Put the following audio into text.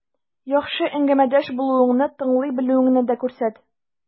Яхшы әңгәмәдәш булуыңны, тыңлый белүеңне дә күрсәт.